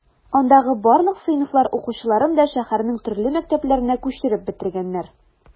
Андагы барлык сыйныфлар укучыларын да шәһәрнең төрле мәктәпләренә күчереп бетергәннәр.